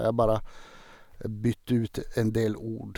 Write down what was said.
Jeg bare bytter ut en del ord.